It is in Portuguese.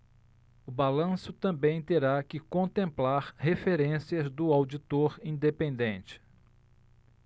o balanço também terá que contemplar referências do auditor independente